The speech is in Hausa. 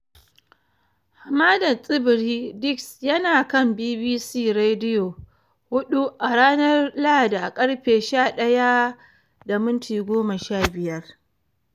Hamadan Tsibiri Disc yana kan BBC Radiyo 4 a ranar Lahadi a karfe 11:15